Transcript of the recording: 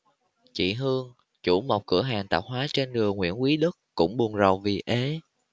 chị hương chủ một cửa hàng tạp hóa trên đường nguyễn quý đức cũng buồn rầu vì ế